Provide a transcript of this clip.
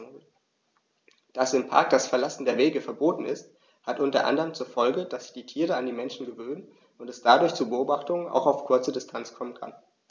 Dass im Park das Verlassen der Wege verboten ist, hat unter anderem zur Folge, dass sich die Tiere an die Menschen gewöhnen und es dadurch zu Beobachtungen auch auf kurze Distanz kommen kann.